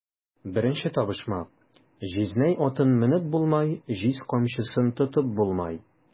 Беренче табышмак: "Җизнәй атын менеп булмай, җиз камчысын тотып булмай!"